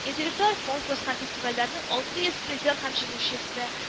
Интеллектуаль конкурс һәм фестивальләрнең алты йоз призер һәм җиңүчесе